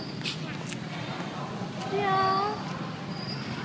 ri ô